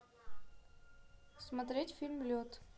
смотреть фильм лед